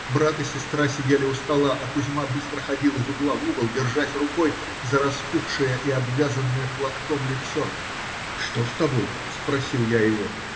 Брат и сестра сидели у стола, а Кузьма быстро ходил из угла в угол, держась рукой за распухшее и обвязанное платком лицо. - Что с тобой? - спросил я его.